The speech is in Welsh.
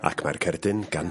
Ac mae'r cerdyn gan...